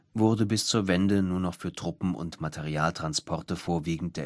wurde bis zur Wende nur für Truppen - und Materialtransporte vorwiegend